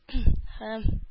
Һәм